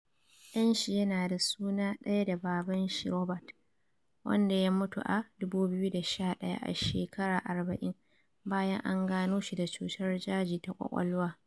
Dan shi yana da suna daya da baban shi Robert, wanda ya mutu a 2011 a shekara 40 bayan an gano shi da cutar daji ta kwakwalwa.